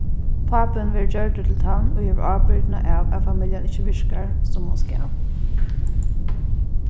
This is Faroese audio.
pápin verður gjørdur til tann ið hevur ábyrgd av at familjan ikki virkar sum hon skal